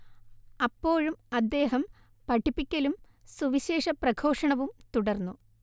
അപ്പോഴും അദ്ദേഹം പഠിപ്പിക്കലും സുവിശേഷ പ്രഘോഷണവും തുടർന്നു